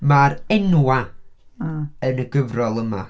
Mae'r enwau yn y gyfrol yma.